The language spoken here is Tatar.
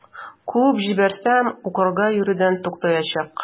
Куып җибәрсәм, укырга йөрүдән туктаячак.